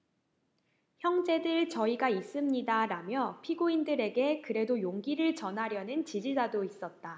형제들 저희가 있습니다라며 피고인들에게 그래도 용기를 전하려는 지지자도 있었다